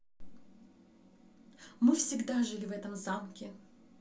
мы всегда жили в этом замке